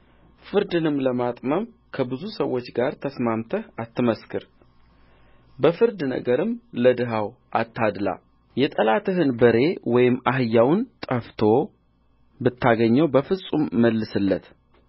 ፍርድንም ለማጥመም ከብዙ ሰዎች ጋር ተስማምተህ አትመስክር በፍርድ ነገርም ለድሀው አታድላ የጠላትህን በሬ ወይም አህያውን ጠፍቶ ብታገኘው በፍጹም መልስለት